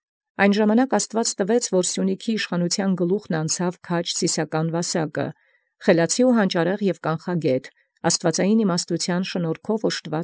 Յորում ժամանակի պարգևեալ յԱստուծոյ, հասանէր ի գլուխ իշխանութեանն Սիւնեաց քաջն Սիսականն Վասակ, այր խորհրդական և հանճարեղ և յառաջիմաց, շնորհատուր իմաստութեամբն Աստուծոյ։